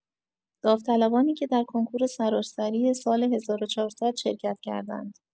داوطلبانی که در کنکور سراسری سال ۱۴۰۰ شرکت کردند